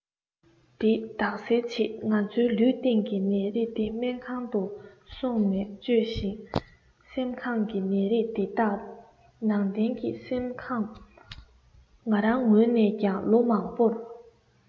འདི དག སེལ བྱེད ང ཚོའི ལུས སྟེང གི ནད རིགས དེ སྨན ཁང དུ སོང ནས བཅོས ཤིང སེམས ཁམས ཀྱི ནད རིགས འདི དག ནང བསྟན གྱི སེམས ཁམས ང རང ངོས ནས ཀྱང ལོ མང པོར